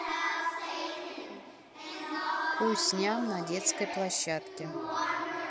кусь ням на детской площадке